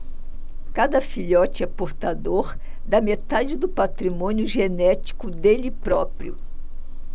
cada filhote é portador da metade do patrimônio genético dele próprio